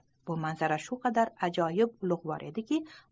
bu manzara shu qadar ajib va ulug'vor ediki